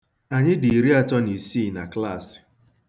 Anyị dị iriatọ na isii na klaasị.